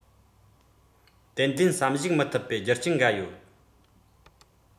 ཏན ཏན བསམ གཞིགས མི ཐུབ པའི རྒྱུ རྐྱེན འགའ ཡོད